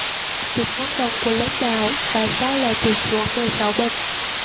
tính năng động của lãnh đạo tại sao lại tụt xuống mười sáu bậc